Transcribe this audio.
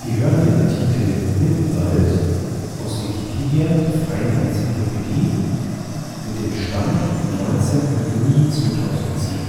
hören den Artikel Mittenwald, aus Wikipedia, der freien Enzyklopädie. Mit dem Stand vom Der